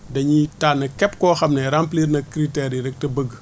dañuy tànn képp koo xam ne remplir na critères yi rek te bëgg